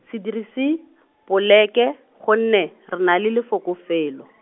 se dirise, poleke, gonne, re na le lefoko felo.